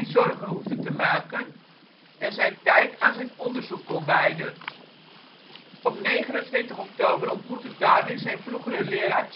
zorgen hoefde te maken en zijn tijd aan zijn onderzoek kon wijden. Op 29 oktober ontmoette Darwin zijn vroegere leraar